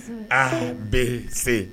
Ah bɛ se